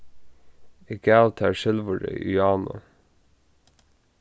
eg gav tær silvurið í áðni